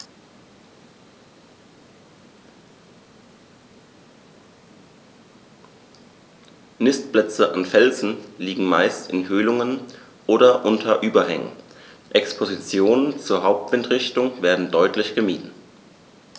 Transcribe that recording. Nistplätze an Felsen liegen meist in Höhlungen oder unter Überhängen, Expositionen zur Hauptwindrichtung werden deutlich gemieden.